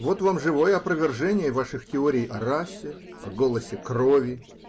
Вот вам живое опровержение ваших теорий о расе, о голосе крови.